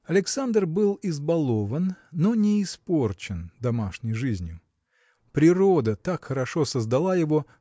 Александр был избалован, но не испорчен домашнею жизнью. Природа так хорошо создала его